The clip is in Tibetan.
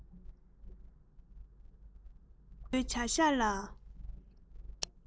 བཟང པོའི བྱ བཞག ལ